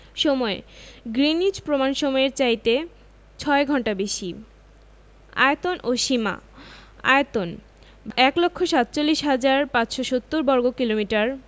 সময়ঃ গ্রীনিচ প্রমাণ সমইয়ের চাইতে ৬ ঘন্টা বেশি আয়তন ও সীমাঃ আয়তন ১লক্ষ ৪৭হাজার ৫৭০বর্গকিলোমিটার